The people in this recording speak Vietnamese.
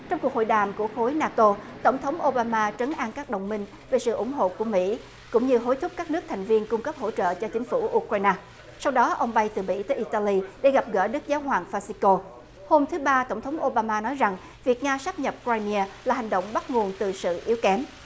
trong cuộc hội đàm của khối na tô tổng thống ô ba ma trấn an các đồng minh về sự ủng hộ của mỹ cũng như hối thúc các nước thành viên cung cấp hỗ trợ cho chính phủ u cờ rai na sau đó ông vay từ bỉ tới i ta ly đi gặp gỡ đức giáo hoàng pha si cô hôm thứ ba tổng thống ô ba ma nói rằng việc nga sáp nhập cờ rai mi a là hành động bắt nguồn từ sự yếu kém